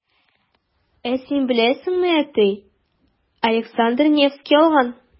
Ә син беләсеңме, әти Александр Невский алган.